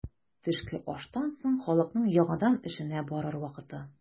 Төшке аштан соң халыкның яңадан эшенә барыр вакыты.